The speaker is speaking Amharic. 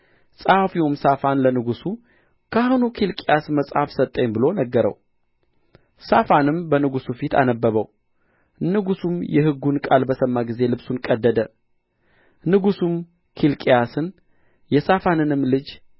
ጸሐፊውም ሳፋን ለንጉሡ ካህኑ ኬልቅያስ መጽሐፍ ሰጠኝ ብሎ ነገረው ሳፋንም በንጉሡ ፊት አነበበው ንጉሡም የሕጉን ቃል በሰማ ጊዜ ልብሱን ቀደደ ንጉሡም ኬልቅያስን የሳፋንንም ልጅ